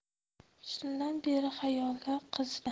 shundan beri xayoli qizida